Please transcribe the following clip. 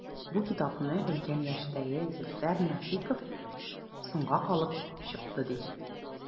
Бу китапны өлкән яшьтәге Зөфәр Нәфыйков “соңга калып” чыкты, ди.